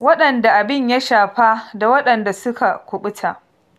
Waɗanda abin ya shafa da waɗanda suka kuɓuta